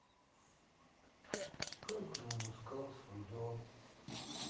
как гном искал свой дом